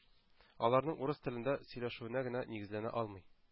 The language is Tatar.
Аларның урыс телендә сөйләшүенә генә нигезләнә алмый.